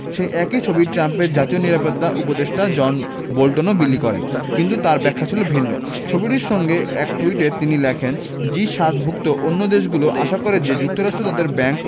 সেই একই ছবি ট্রাম্পের জাতীয় নিরাপত্তা উপদেষ্টা জন বোল্টনও বিলি করেন কিন্তু তাঁর ব্যাখ্যা ছিল ভিন্ন ছবিটির সঙ্গে এক টুইটে তিনি লেখেন জি ৭ ভুক্ত অন্য দেশগুলো আশা করে যে যুক্তরাষ্ট্র তাদের ব্যাংক